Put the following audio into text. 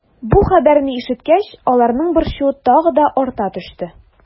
Бу хәбәрне ишеткәч, аларның борчуы тагы да арта төште.